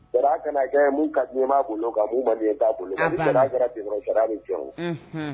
Jara kana ka diɲɛ bolo ma' bolo jara jɔ